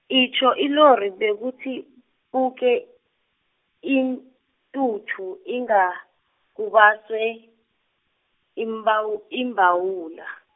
itjho ilori bekuthi, puke, intuthu, inga, kubaswe, imbaw- imbawula.